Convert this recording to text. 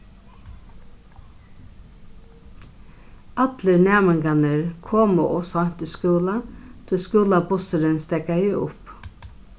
allir næmingarnir komu ov seint í skúla tí skúlabussurin steðgaði upp